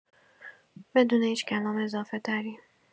بدون هیچ کلام اضافه‌تری